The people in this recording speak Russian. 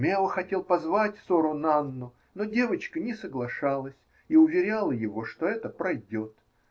Мео хотел позвать сору Нанну, но девочка не соглашалась и уверяла его, что это пройдет.